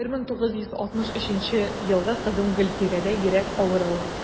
1963 елгы кызым гөлфирәдә йөрәк авыруы.